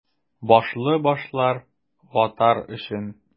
Башлы башлар — ватар өчен!